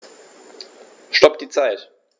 Stopp die Zeit